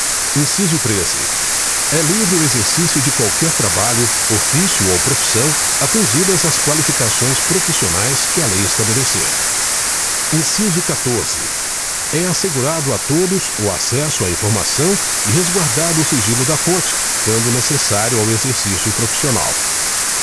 inciso treze é livre o exercício de qualquer trabalho ofício ou profissão atendidas as qualificações profissionais que a lei estabelecer inciso quatorze é assegurado a todos o acesso à informação e resguardado o sigilo da fonte quando necessário ao exercício profissional